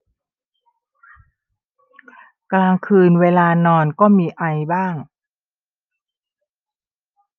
กลางคืนเวลานอนก็มีไอบ้าง